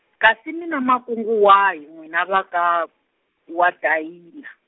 kasi mi na makungu wahi n'wina va ka, waDayila?